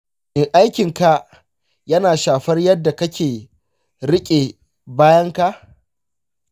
shin aikin ka yana shafar yadda kake riƙe bayanka?